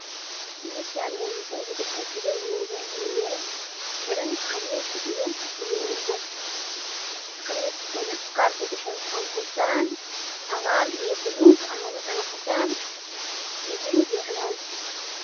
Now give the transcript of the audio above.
Meeshaani waxaa isugu imaadeen niman way tukanayaan waa masaajid waxay wataan khamiis cagaar guduud kofi cimaamad guduud